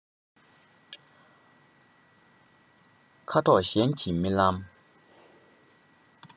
ཁ དོག གཞན ཞིག གི རྨི ལམ